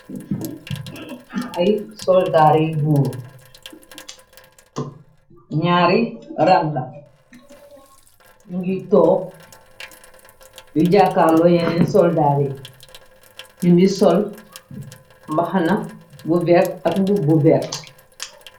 Ay soldaar yi bour , ñaari rang la, ñu ngiy toog yu jàakaaloo yeneen soldaar yi, ñu ngi sol mbaxana bu vert ak mmub bu vert.